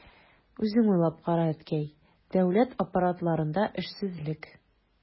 Үзең уйлап кара, әткәй, дәүләт аппаратларында эшсезлек...